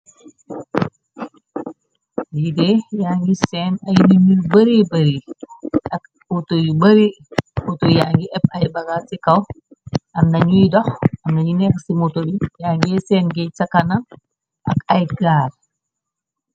Liigée yaa ngi seen ay liñuy bari bari, ak uutu yu bari, uutu ya ngi ppy bagaar ci kaw, am nañuy dox, am nañu nekx ci moto bi ,yaa ngi seen giy ca kanam ak ayd gaar.